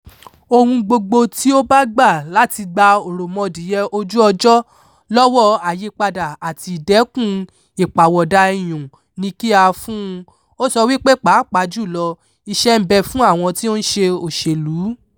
Ohun gbogbo tí ó bá gbà láti gba òròmọdìẹ ojú-ọjọ́ lọ́wọ́ àyípadà àti ìdẹ́kun ìpàwọ̀dà iyùn ni kí á fi fún un, ó sọ wípé, pàápàá jù lọ "iṣẹ́ ń bẹ" fún àwọn tí ó ń ṣe òṣèlú: